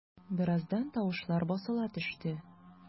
Бераздан тавышлар басыла төште.